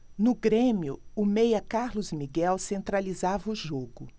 no grêmio o meia carlos miguel centralizava o jogo